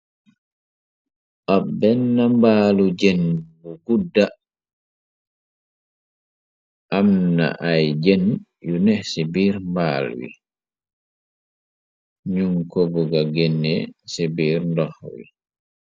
ab benn mbaalu jen bu gudda am na ay jen yu nex ci biir mbaal wi nun kobuga génne ci biir ndox wi